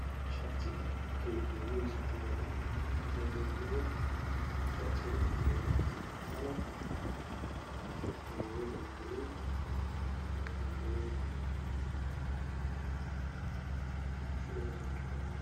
Shaati midabkiisa waa cadcadaan madow guduud kujiro meshu yalow acasaan